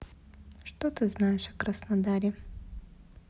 что ты знаешь о краснодаре